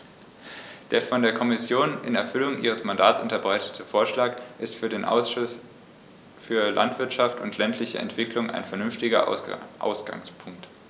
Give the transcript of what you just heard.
Der von der Kommission in Erfüllung ihres Mandats unterbreitete Vorschlag ist für den Ausschuss für Landwirtschaft und ländliche Entwicklung ein vernünftiger Ausgangspunkt.